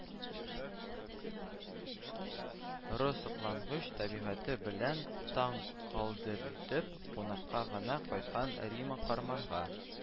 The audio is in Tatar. Ры, соклангыч табигате белән таң калдыритеп, кунакка гына кайткан рима карманга